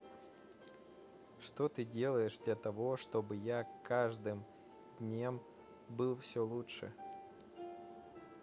что ты делаешь для того чтобы я каждым днем был все лучше